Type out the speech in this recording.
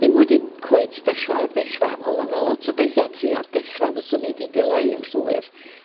dim wedi cweit dechra o'r dechra on' ma' 'na lot o betha tua'r dechra fyswn i 'di dileu yn llwyr.